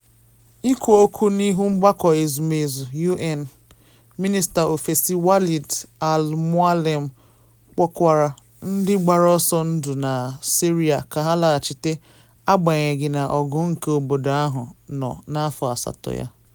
Ikwu okwu n’ihu Mgbakọ Ezumezu UN, Minista Ofesi Walid al-Moualem kpọkwara ndị gbara ọsọ ndụ na Syria ka ha laghachite, agbanyeghị na ọgụ nke obodo ahụ nọ n’afọ asatọ ya.